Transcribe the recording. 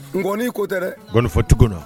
N ŋɔni ko tɛ ŋɔnifɔtigiw na